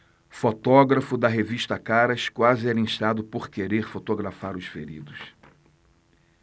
fotógrafo da revista caras quase é linchado por querer fotografar os feridos